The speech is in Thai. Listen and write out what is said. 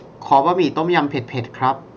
ขอบะหมี่ต้มยำเผ็ดเผ็ดครับ